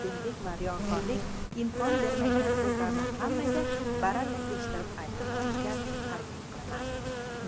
xudbinlik va riyokorlik imkon bermaydigan so'zlarni hammaga baralla eshittirib aytib olishga harakat qilaman